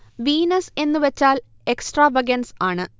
Venus എന്ന് വച്ചാൽ extravagance ആണ്